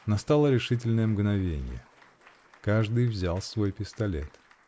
Настало решительное мгновенье. Каждый взял свой пистолет.